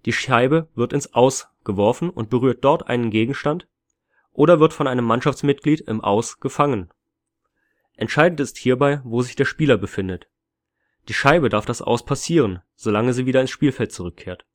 Scheibe wird ins „ Aus “geworfen und berührt dort einen Gegenstand oder wird von einem Mannschaftsmitglied im „ Aus “gefangen. Entscheidend ist hierbei, wo sich der Spieler befindet. Die Scheibe darf das „ Aus “passieren, solange sie wieder ins Spielfeld zurückkehrt